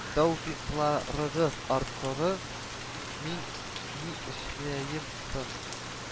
Тәүфыйкларыгыз арткыры, мин ни эшләем соң